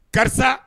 Karisa